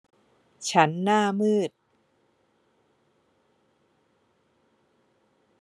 ฉันหน้ามืด